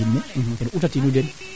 o qol luu ando naye kaa may puss